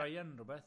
Ryan, rwbeth.